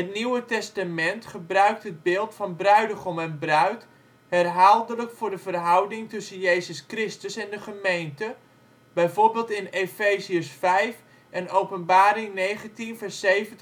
Nieuwe Testament gebruikt het beeld van bruidegom en bruid herhaaldelijk voor de verhouding tussen Jezus Christus en de gemeente, bijvoorbeeld in Efeziërs 5 en Openbaring 19:7-9. Het